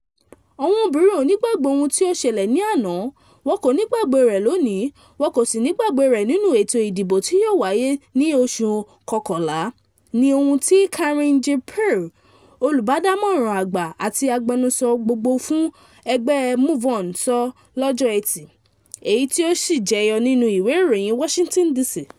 "“Àwọn obìnrin ò ní gbàgbé ohun tí ó ṣẹlẹ̀ ní àná, wọn kò ní gbàgbé rẹ̀ lónìí, wọn kò sì ní gbàgbé rẹ̀ nínú ètò ìdìbò tí yóò wáyé ní oṣù kọọkànlá” ni ohun tí Karine Jean-Pierre, olùbádámọ̀ràn àgbà àti agbẹnusọ gbogbo fún ẹgbẹ́ MoveOn sọ lọ́jọ Ẹtì, èyí tí ó sì jẹyọ nínú ìwé ìròyìn Washington, D.C.